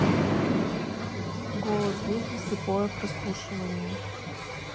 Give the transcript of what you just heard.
голос дети слепое прослушивание